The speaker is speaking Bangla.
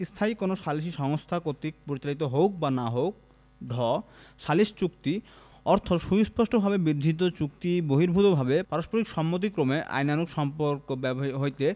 স্থায়ী কোন সালিসী সংস্থা কর্তৃক পরিচালিত হউক বা না হউক ঢ সালিস চুক্তি অর্থ সুস্পষ্টভাবে বিধৃত চুক্তিবহির্ভুতভাবে পারস্পরিক সম্মতিক্রমে আইনানুগ সম্পর্ক হইতে